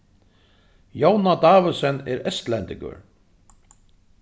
jóna davidsen er estlendingur